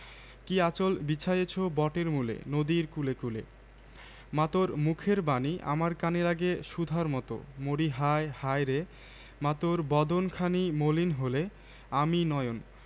কী আঁচল বিছায়েছ বটের মূলে নদীর কূলে কূলে মা তোর মুখের বাণী আমার কানে লাগে সুধার মতো মরিহায় হায়রে মা তোর বদন খানি মলিন হলে ওমা আমি নয়ন